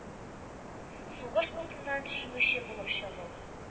Сугыш утыннан җиңүче булып чыгу.